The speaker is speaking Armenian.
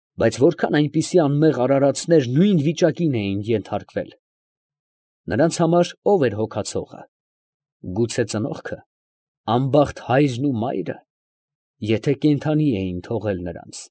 Բայց ո՞րքան այնպիսի անմեղ արարածներ նույն վիճակին էին ենթարկվել. նրանց համար ո՞վ էր հոգացողը։ ֊ Գուցե ծնողքը, անբախտ հայրն ու մայրը, եթե կենդանի էին թողել նրանց։